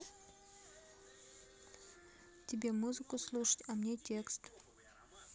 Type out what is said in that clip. тебе музыку слушать а мне текст